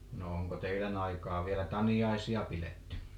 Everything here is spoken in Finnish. no onko teidän aikaan vielä taniaisia pidetty